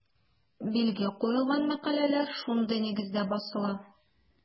Билге куелган мәкаләләр шундый нигездә басыла.